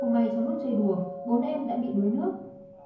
không may trong lúc chơi đùa bốn em đã bị đuối nước